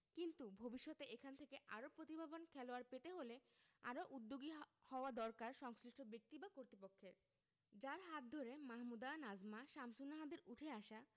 কিন্তু ভবিষ্যতে এখান থেকে আরও প্রতিভাবান খেলোয়াড় পেতে হলে আরও উদ্যোগী হা হওয়া দরকার সংশ্লিষ্ট ব্যক্তি বা কর্তৃপক্ষের যাঁর হাত ধরে মাহমুদা নাজমা শামসুন্নাহারদের উঠে আসা